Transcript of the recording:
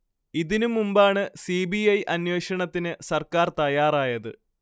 ഇതിന് മുമ്പാണ് C B I അന്വേഷണത്തിന് സർക്കാർ തയ്യാറായത്